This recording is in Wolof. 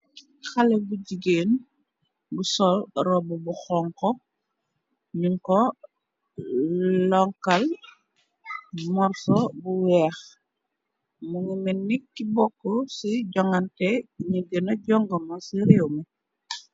Haley bu jigeen bu sol rob bu honku, ñu ko lonkal morso bu weeh mu ngi menik ki bokk ci jongante ñi gna jongoma ci réew mi.